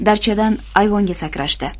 darchadan ayvonga sakrashdi